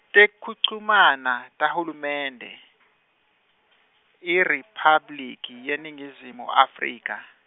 tekuchumana taHulumende , IRiphabliki yeNingizimu Afrika.